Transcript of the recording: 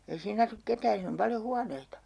ei siinä asu ketään siinä on paljon huoneita